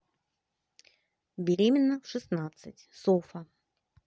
беременна в шестнадцать софа